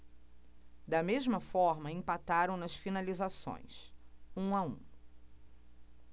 da mesma forma empataram nas finalizações um a um